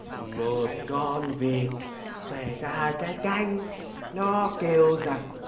một con vịt xòe ra hai cái cánh nó kêu rằng